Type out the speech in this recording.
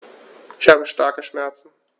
Ich habe starke Schmerzen.